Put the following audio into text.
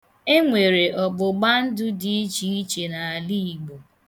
E nwere ọgbụgbandụ di iche iche na ala Igbo